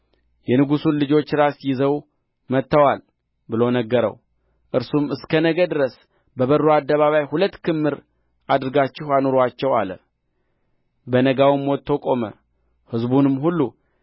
የንጉሡን ልጆች ራስ ይዘው መጥተዋል ብሎ ነገረው እርሱም እስከ ነገ ድረስ በበሩ አደባባይ ሁለት ክምር አድርጋችሁ አኑሩአቸው አለ በነጋውም ወጥቶ ቆመ ሕዝቡንም ሁሉ